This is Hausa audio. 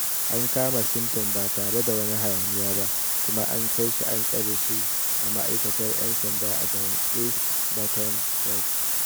An kama Simpson ba tare da wani hayaniya ba, kuma an kai shi an tsare a ma'aikatar 'yan sanda a garin East Baton Rouge.